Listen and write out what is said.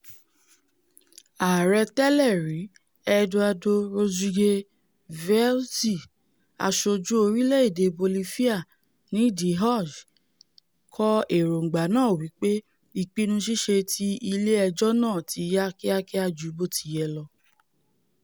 Ààrẹ tẹ́lẹ̀rí Eduardo Rodriguez Veltzé, aṣojú orílẹ̀-èdè Bolifia ní The Hague, kọ èròǹgbà náà wí pé ìpinnu-ṣíṣe ti ilé-ẹjọ́ náà tiyá kíakía ju bótiyẹ lọ.